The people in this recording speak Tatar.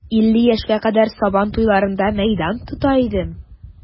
Илле яшькә кадәр сабан туйларында мәйдан тота идем.